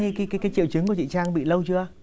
cái cái cái triệu chứng của chị trang bị lâu chưa